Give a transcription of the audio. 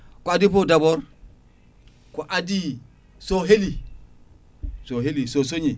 ko adi foof d' bord ko adi so heeli so heeli so sooñi